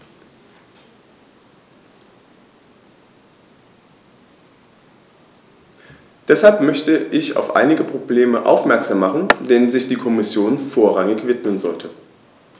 Deshalb möchte ich auf einige Probleme aufmerksam machen, denen sich die Kommission vorrangig widmen sollte.